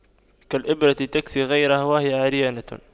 كالإبرة تكسي غيرها وهي عريانة